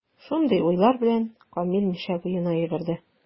Шундый уйлар белән, Камил Мишә буена йөгерде.